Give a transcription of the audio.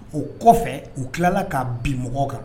O kɔfɛ u tilala k'a bin mɔgɔw kan